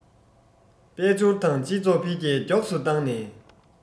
དཔལ འབྱོར དང སྤྱི ཚོགས འཕེལ རྒྱས མགྱོགས སུ བཏང ནས